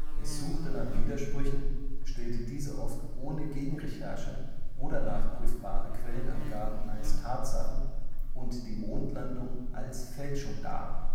Es suchte nach Widersprüchen, stellte diese oft ohne Gegenrecherche oder nachprüfbare Quellenangaben als Tatsachen und die Mondlandung als Fälschung dar